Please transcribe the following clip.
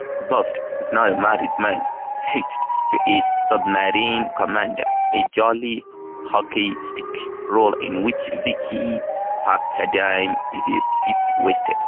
Bough is now a married man, hitched to a submarine commander, a jolly-hockey-sticks role in which Vicki Pepperdine is a bit wasted.